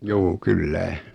juu kyllä